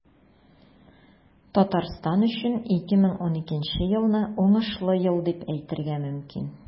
Татарстан өчен 2012 елны уңышлы ел дип әйтергә мөмкин.